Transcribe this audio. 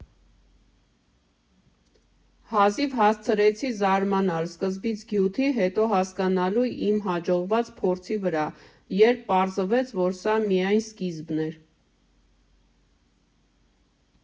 Հազիվ հասցրեցի զարմանալ, սկզբից՝ գյուտի, հետո՝ հասկանալու իմ հաջողված փորձի վրա, երբ պարզվեց, որ սա միայն սկիզբն էր։